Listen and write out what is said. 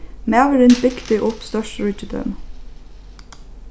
maðurin bygdi upp stórt ríkidømi